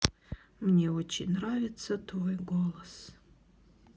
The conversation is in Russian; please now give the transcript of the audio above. мне очень нравится твой голос